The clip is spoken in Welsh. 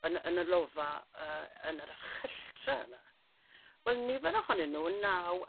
yn yn y lofo yy yn yr ychylldra yna. Wel nifer ohonyn nw yn naw